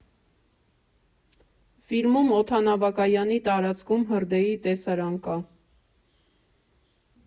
Ֆիլմում օդանավակայանի տարածքում հրդեհի տեսարան կա։